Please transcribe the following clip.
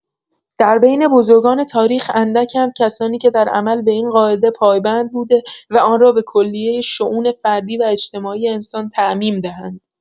در بین بزرگان تاریخ اندک اند کسانی که در عمل به این قاعده پایبند بوده و آن را به کلیه شئون فردی و اجتماعی انسان تعمیم دهند.